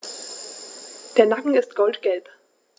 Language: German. Der Nacken ist goldgelb.